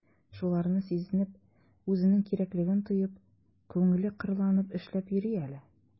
Шуларны сизенеп, үзенең кирәклеген тоеп, күңеле кырланып эшләп йөри әле...